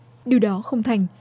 điều đó không thành